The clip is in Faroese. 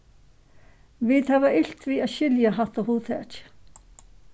vit hava ilt við at skilja hatta hugtakið